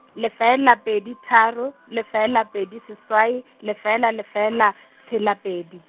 lefela pedi tharo, lefela pedi seswai, lefela lefela, tshela pedi.